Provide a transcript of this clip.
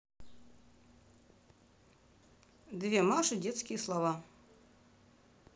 две маши детские слова